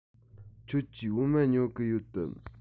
ཁྱོད ཀྱིས འོ མ ཉོ གི ཡོད དམ